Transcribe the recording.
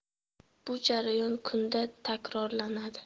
bu jarayon kunda takrorlanadi